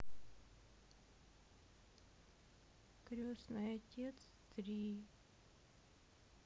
крестный отец три